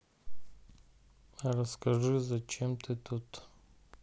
расскажи зачем ты тут